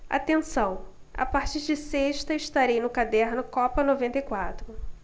atenção a partir de sexta estarei no caderno copa noventa e quatro